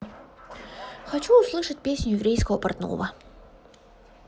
хочу услышать песню еврейского портного